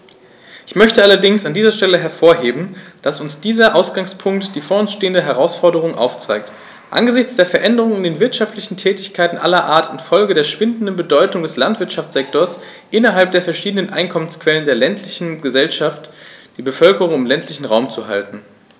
Ich möchte allerdings an dieser Stelle hervorheben, dass uns dieser Ausgangspunkt die vor uns stehenden Herausforderungen aufzeigt: angesichts der Veränderungen in den wirtschaftlichen Tätigkeiten aller Art infolge der schwindenden Bedeutung des Landwirtschaftssektors innerhalb der verschiedenen Einkommensquellen der ländlichen Gesellschaft die Bevölkerung im ländlichen Raum zu halten.